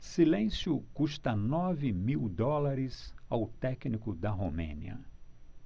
silêncio custa nove mil dólares ao técnico da romênia